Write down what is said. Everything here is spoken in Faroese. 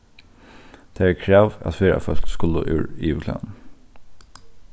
tað er krav at ferðafólk skulu úr yvirklæðum